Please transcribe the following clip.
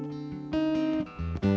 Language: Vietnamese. khi